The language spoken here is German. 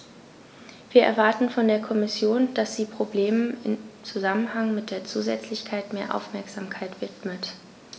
Wir erwarten von der Kommission, dass sie Problemen im Zusammenhang mit der Zusätzlichkeit mehr Aufmerksamkeit widmet.